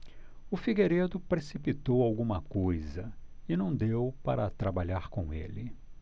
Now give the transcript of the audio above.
o figueiredo precipitou alguma coisa e não deu para trabalhar com ele